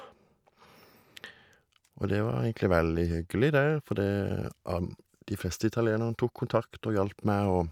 Og det var egentlig veldig hyggelig, det, fordi am de fleste italienerne tok kontakt og hjalp meg og...